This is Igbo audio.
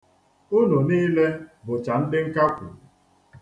Unu niile bụcha ndị nkakwu.